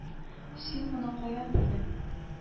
Син моны каян белдең